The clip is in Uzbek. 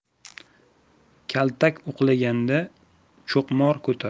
kaltak o'qtalganga cho'qmor ko'tar